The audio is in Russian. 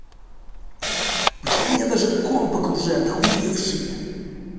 почему меня даже комп окружает охуевшие